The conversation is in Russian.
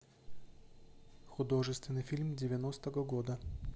художественный фильм девяностого года